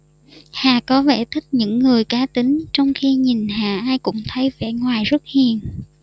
hà có vẻ thích những người cá tính trong khi nhìn hà ai cũng thấy vẻ ngoài rất hiền